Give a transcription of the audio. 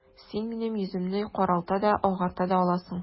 Син минем йөземне каралта да, агарта да аласың...